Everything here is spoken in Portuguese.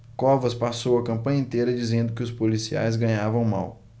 covas passou a campanha inteira dizendo que os policiais ganhavam mal